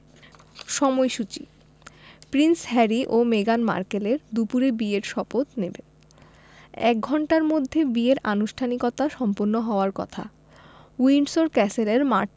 সময়সূচি prince Harry ও মেগান মার্কেল দুপুরে বিয়ের শপথ নেবেন এক ঘণ্টার মধ্যে বিয়ের আনুষ্ঠানিকতা সম্পন্ন হওয়ার কথা উইন্ডসর ক্যাসেলের মাঠ